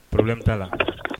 Pɔrɔlɛ t'a la